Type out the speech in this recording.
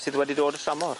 SSydd wedi dod o tramor.